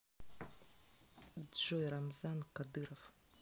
джой рамзан кадыров